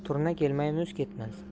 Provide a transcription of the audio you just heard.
turna kelmay muz ketmas